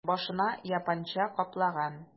Башына япанча каплаган...